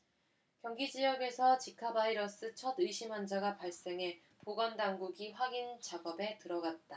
경기지역에서 지카바이러스 첫 의심환자가 발생해 보건당국이 확인 작업에 들어갔다